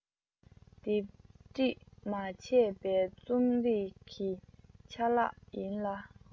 སྡེབ བསྒྲིགས མ བྱས པའི རྩོམ རིག གི ཆ ལག ཡིན ལ